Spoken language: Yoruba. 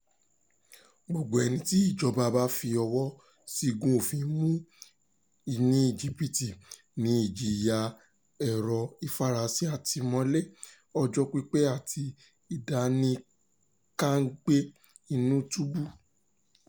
Gbogbo ẹni tí ìjọba bá fi ọwọ́ọ ṣìgún òfin mú ní Íjípìtì ní í jẹ ìyà oró, ìfarasin, àtìmọ́lé ọjọ́ pípẹ́ àti àdánìkangbé inúu túbú.